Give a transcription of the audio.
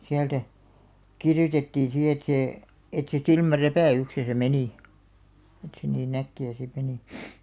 sieltä kirjoitettiin sitten että se että se silmänräpäyksessä meni että se niin äkkiä sitten meni